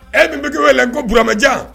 Ɛ min bɛ wele la ko buramajan